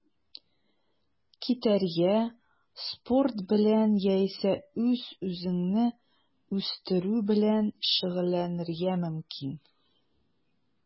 Китәргә, спорт белән яисә үз-үзеңне үстерү белән шөгыльләнергә мөмкин.